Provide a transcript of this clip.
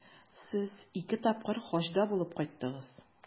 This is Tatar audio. Сез ике тапкыр Хаҗда булып кайттыгыз.